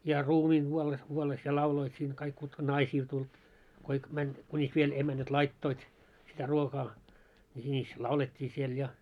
ja ruumiin kuollessa kuollessa ja lauloivat siinä kaikki kutka naisilla tuli kaikki meni kunis vielä emännät laittoivat sitä ruokaa niin sinis laulettiin siellä ja